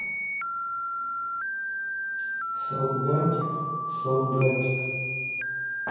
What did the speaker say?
солдатик солдатик